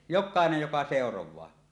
jokainen joka seuraa